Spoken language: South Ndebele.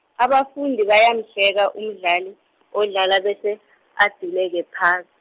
abafundi bayamhleka umdlali, odlala bese, aduleke phas-.